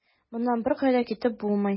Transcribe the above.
Моннан беркая да китеп булмый.